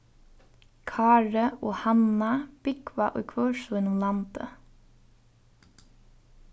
kári og hanna búgva í hvør sínum landi